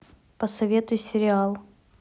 посоветуй сериал